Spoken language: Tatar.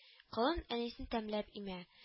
Колын әнисен тәмләп имә